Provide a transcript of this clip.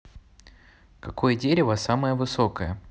какое дерево самое высокое